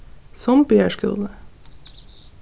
sumbiar skúli